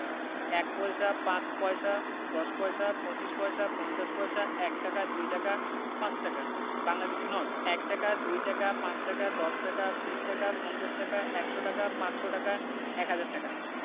১ paisa ৫ paisa ১০ paisa ২৫ paisa ৫০ paisa ১ taka ২ taka ৫ taka Bangladeshi note ১ taka ২ taka ৫ taka ১০ taka ২০ taka ৫০ taka ১০০ taka ৫০০ taka ১০০০ টাকা